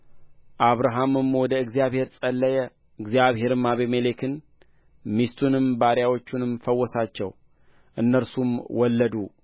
አብርሃምም ወደ እግዚአብሔር ጸለየ እግዚአብሔርም አቢሜሌክን ሚስቱንም ባሪያዎቹንም ፈወሳቸው እነርሱም ወለዱ